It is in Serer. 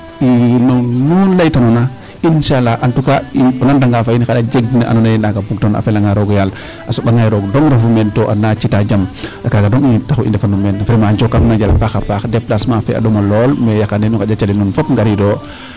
II na nuu laytanoona insaala en tout cas o nanranga fa in xan a jeg na andoona ye naaga bugtano a felanga roog o yaal a soɓangaaye roog dong refu meen ten na ci'taa jam kaaga soom taxu i ndefa nu meen vraiment. Njooka nuun a njal a paax a paax déplacement fe a ɗoma lool mais yaqanee nu nqaƴa calel nuun fop ngariidooyo.